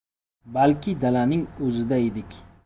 balki dalaning o'zida edik